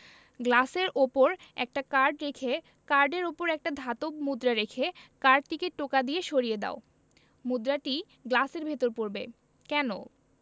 গ্লাসের উপর একটা কার্ড রেখে কার্ডের উপর একটা ধাতব মুদ্রা রেখে কার্ডটিকে টোকা দিয়ে সরিয়ে দাও মুদ্রাটি গ্লাসের ভেতর পড়বে কেন